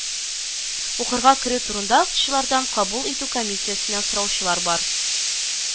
Укырга керү турында укытучылардан, кабул итү комиссиясеннән сораучылар бар